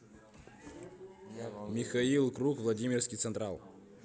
михаил круг владимирский централ